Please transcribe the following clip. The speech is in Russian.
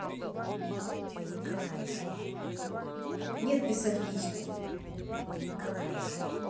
нет писать письку